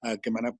ag yy ma' 'na